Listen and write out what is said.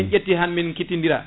min ƴetti han lin kittidira